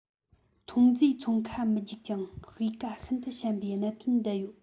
ཐོན རྫས ཚོང ཁ མི རྒྱུག ཅིང སྤུས ཀ ཤིན ཏུ ཞན པའི གནད དོན བསྡད ཡོད